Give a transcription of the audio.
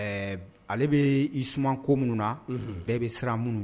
Ale bɛ i sumaman ko minnu na bɛɛ bɛ siran minnu